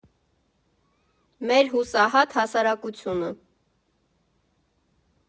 Մեր հուսահատ հասարակությունը։